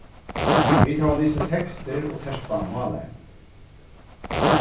vit hava lisið tekstir og terpað mállæru